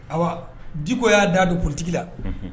Ayiwa diko y'a da don ptigila